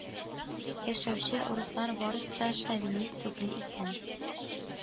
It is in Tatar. Яшәүче урыслар барысы да шовинист түгел икән.